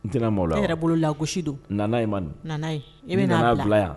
N tɛna maaw la yɛrɛ bolo la ko don man i bɛ' bila yan